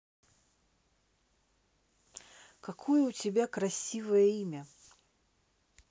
какое у тебя красивое имя